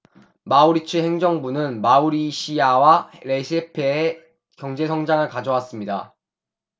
마우리츠 행정부는 마우리시아와 레시페에 경제 성장을 가져왔습니다